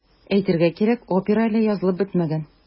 Әйтергә кирәк, опера әле язылып бетмәгән.